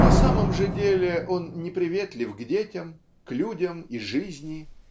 на самом же деле он неприветлив к детям к людям и жизни